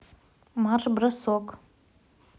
марш бросок